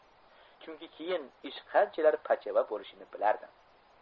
chunki keyin ish qanchalar pachava bo'lishini bilardi